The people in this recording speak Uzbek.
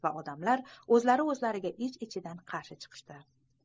va odamlar o'zlari o'zlariga ich ichidan qarshi chiqishdi